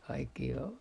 kaikkia on